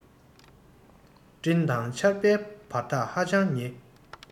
སྤྲིན དང ཆར བའི བར ཐག ཧ ཅང ཉེ